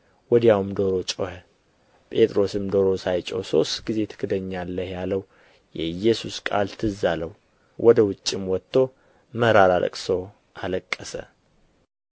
ወዲያውም ዶሮ ጮኸ ጴጥሮስም ዶሮ ሳይጮኽ ሦስት ጊዜ ትክደኛለህ ያለው የኢየሱስ ቃል ትዝ አለው ወደ ውጭም ወጥቶ መራራ ልቅሶ አለቀሰ